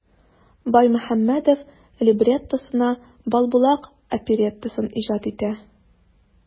Баймөхәммәдев либреттосына "Балбулак" опереттасын иҗат итә.